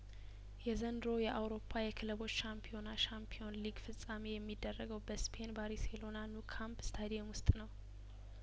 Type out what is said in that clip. የዘንድሮው የአውሮፓ የክለቦች ሻምፒዮና ሻምፒየን ሊግ ፍጻሜ የሚደረገው በስፔን ባሪሴሎና ኑካምፕ ስታዲየም ውስጥ ነው